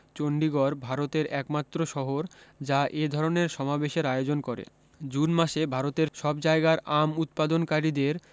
চন্ডীগড় ভারতের একমাত্র শহর যা এধরনের সমাবেশের আয়োজন করে জুন মাসে ভারতের সব জায়গার আম উৎপাদনকারীদের